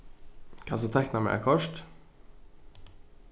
kanst tú tekna mær eitt kort